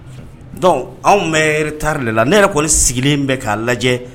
Anw bɛ tari de la ne yɛrɛ kɔni ne sigilen bɛ k'a lajɛ